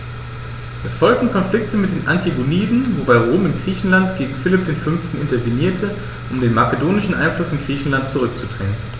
Es folgten Konflikte mit den Antigoniden, wobei Rom in Griechenland gegen Philipp V. intervenierte, um den makedonischen Einfluss in Griechenland zurückzudrängen.